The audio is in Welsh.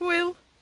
Hwyl!